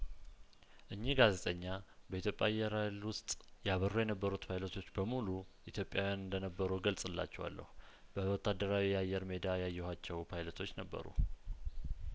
እኚህ ጋዜጠኛ በኢትዮጵያ አየር ሀይል ውስጥ ያበሩ የነበሩት ፓይለቶች በሙሉ ኢትዮጵያዊያን እንደነበሩ እገልጽላችኋለሁ በወታደራዊ የአየር ሜዳ ያየኋቸው ፓይለቶች ነበሩ